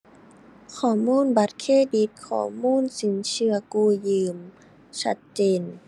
ข้อมูลบัตรเครดิต ข้อมูลสินเชื่อกู้ยืม ชัดเจน